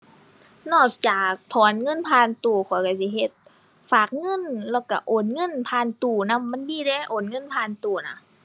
นอกจากถอนเงินผ่านตู้ข้อยก็สิเฮ็ดฝากเงินแล้วก็โอนเงินผ่านตู้นำ มันมีเดะโอนเงินผ่านตู้น่ะ